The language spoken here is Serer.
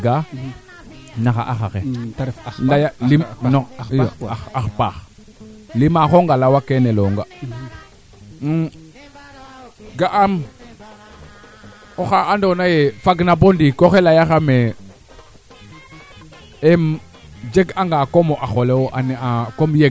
ka ref kaa ando naye wee moƴna may no we na ngudaa yo paal ɓasi ndund taa parce que kaa waag qund paal koy kaa waag qund paasne'no ga'a mbaala na ñaaman kaa mosaa bo so a giñ boke moƴna may no keena nguda paal ɓasi teena njikaa ten taxu xaƴa jafe jafe feene a jegaa teen